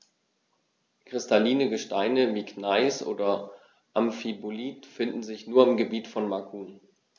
Kristalline Gesteine wie Gneis oder Amphibolit finden sich nur im Gebiet von Macun.